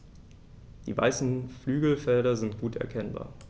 Die weißen Flügelfelder sind gut erkennbar.